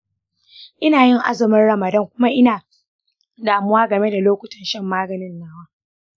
ina yin azumin ramadan kuma ina damuwa game da lokutan shan maganin nawa.